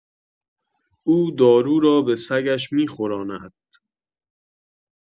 او دارو را به سگش می‌خوراند